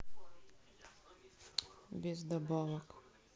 без добавок